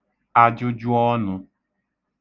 ajụjụọnụ̄